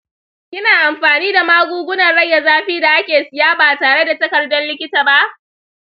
kina amfani da magungunan rage zafi da ake siya ba tare da takardar likita ba?